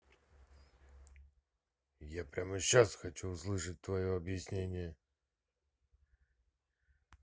я прямо щас хочу услышать твое объяснение